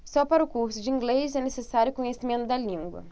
só para o curso de inglês é necessário conhecimento da língua